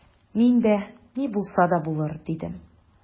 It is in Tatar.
Мин дә: «Ни булса да булыр»,— дидем.